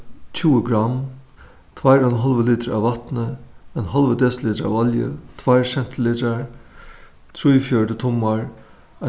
tjúgu gramm tveir og ein hálvur litur av vatni ein hálvur desilitur av olju tveir sentilitrar trýogfjøruti tummar